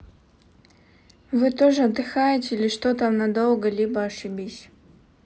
вы тоже отдыхаете или что там надолго либо ошибись